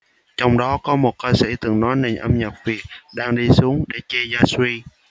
trong đó có một ca sĩ từng nói nền âm nhạc việt đang đi xuống để chê ya suy